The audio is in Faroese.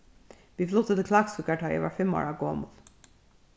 vit fluttu til klaksvíkar tá eg var fimm ára gomul